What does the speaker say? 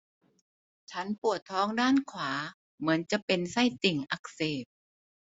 ฉันปวดท้องด้านขวาเหมือนจะเป็นไส้ติ่งอักเสบ